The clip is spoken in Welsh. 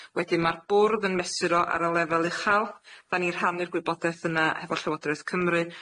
Wedyn ma'r bwrdd yn mesur o ar y lefel uchal, 'dan ni'n rhannu'r gwybodaeth yna hefo Llywodraeth Cymru,